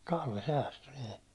Kalle säästyi niin